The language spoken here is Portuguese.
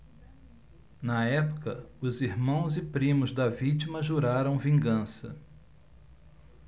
na época os irmãos e primos da vítima juraram vingança